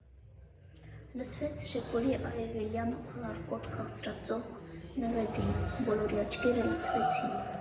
Լսվեց շեփորի արևելյան, ալարկոտ, քաղցրածոր մեղեդին, բոլորի աչքերը լցվեցին։